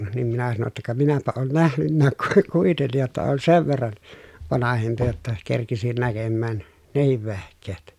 niin minä sanoin jotta ka minäpä ole nähnytkään - kuitenkin jotta olen sen verran vanhempi jotta kerkisin näkemään nekin vehkeet